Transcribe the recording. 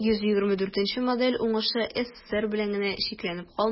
124 нче модель уңышы ссср белән генә чикләнеп калмый.